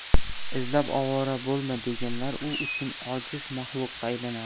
izlab ovora bo'lma deganlar u uchun ojiz maxluqqa aylanardi